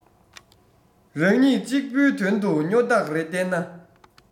རང ཉིད གཅིག པུའི དོན དུ སྨྱོ རྟགས རེ བསྟན ན